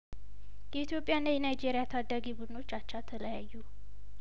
የኢትዮጵያ ና የናይጄሪያ ታዳጊ ቡድኖች አቻ ተለያዩ